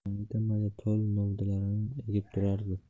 mayda tol novdalarini egib turardi